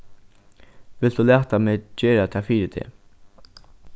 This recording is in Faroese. vilt tú lata meg gera tað fyri teg